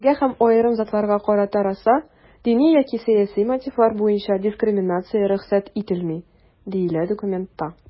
"илләргә һәм аерым затларга карата раса, дини яки сәяси мотивлар буенча дискриминация рөхсәт ителми", - диелә документта.